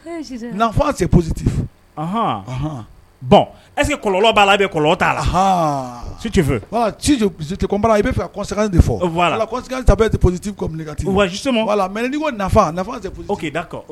Ee , nafa c'est positif anhan, bon est ce que kɔlɔlɔ b'a la ou bien kɔlɔlɔ t’a la, Ɔnhɔn si tu veux Ɔnhɔn, si je te comprends i b’a fɛ ka conséquence de fɔ, voilà o la conséquence ça peut être positive comme négative, ouais justement, voilà mais ni ko nafa, nafa c'est positif, OK d'accord